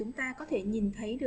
chúng ta có thể nhìn thấy